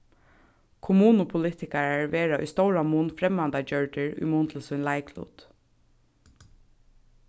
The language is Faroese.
kommunupolitikarar verða í stóran mun fremmandagjørdir í mun til sín leiklut